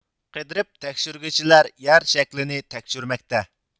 قىدىرىپ تەكشۈرگىچىلەر يەر شەكلىنى تەكشۈرمەكتە